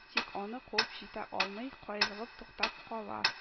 Тик аны куып җитә алмый, каерылып туктап кала